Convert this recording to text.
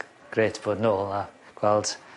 g- grêt bod nôl a gweld